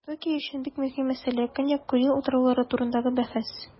Токио өчен бик мөһим мәсьәлә - Көньяк Курил утраулары турындагы бәхәс.